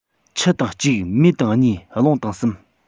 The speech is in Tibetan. ཆུ དང གཅིག མེ དང གཉིས རླུང དང གསུམ